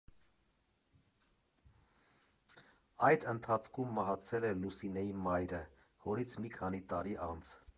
Այդ ընթացքում մահացել էր Լուսինեի մայրը՝ հորից մի քանի տարի անց։